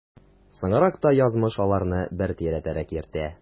Соңрак та язмыш аларны бер тирәдәрәк йөртә.